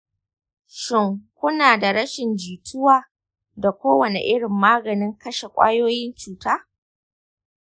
shin kuna da rashin jituwa da kowane irin maganin kashe kwayoyin cuta